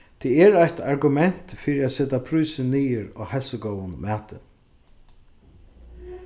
tað er eitt argument fyri at seta prísin niður á heilsugóðum mati